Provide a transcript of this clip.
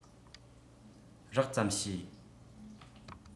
རགས ཙམ ཤེས